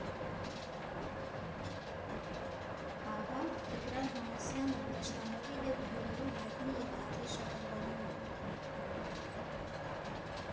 Ահա, Տիգրան Համասյանը դաշնամուրի հետ Գյումրու հայտնի երկաթե շատրվանի մոտ.